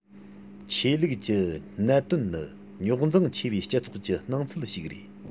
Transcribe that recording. ཆོས ལུགས ཀྱི གནད དོན ནི རྙོག འཛིང ཆེ བའི སྤྱི ཚོགས ཀྱི སྣང ཚུལ ཞིག རེད